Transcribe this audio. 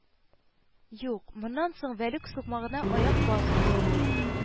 Юк, моннан соң Вәлүк сукмагына аяк басмас ул